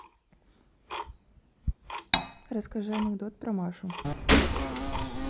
расскажи анекдот про машу